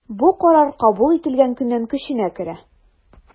Бу карар кабул ителгән көннән көченә керә.